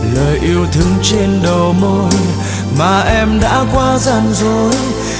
lời yêu thương trên đầu môi mà em đã quá gian dối